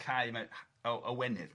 ...cae mae o y wenydd... Ia.